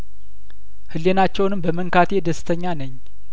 ህሊናቸውንም በመን ካቴ ደስተኛ ነኝ